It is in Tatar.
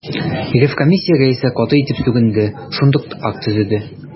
Ревкомиссия рәисе каты итеп сүгенде, шундук акт төзеде.